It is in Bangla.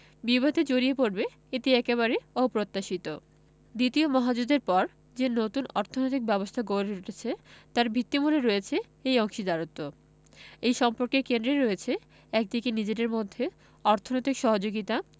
বিবাদে জড়িয়ে পড়বে এটি একেবারে অপ্রত্যাশিত দ্বিতীয় মহাযুদ্ধের পর যে নতুন অর্থনৈতিক ব্যবস্থা গড়ে উঠেছে তার ভিত্তিমূলে রয়েছে এই অংশীদারত্ব এই সম্পর্কের কেন্দ্রে রয়েছে একদিকে নিজেদের মধ্যে অর্থনৈতিক সহযোগিতা